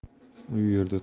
u yerda tohir